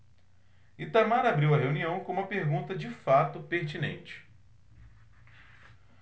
itamar abriu a reunião com uma pergunta de fato pertinente